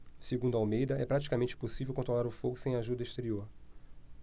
segundo almeida é praticamente impossível controlar o fogo sem ajuda exterior